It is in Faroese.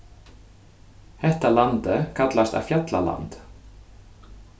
hetta landið kallast eitt fjallaland